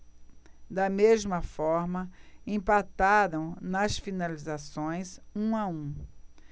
da mesma forma empataram nas finalizações um a um